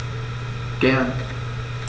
Gern.